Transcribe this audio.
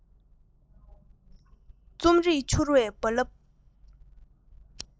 རྩོམ རིག འཕྱུར བའི རླབས